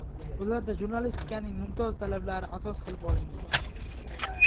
ularda jurnalistikaning mumtoz talablari asos qilib olingan